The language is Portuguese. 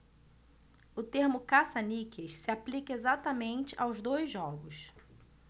o termo caça-níqueis se aplica exatamente aos dois jogos